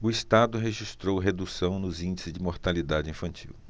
o estado registrou redução nos índices de mortalidade infantil